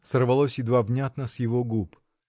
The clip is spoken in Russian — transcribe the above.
-- сорвалось едва внятно с его губ.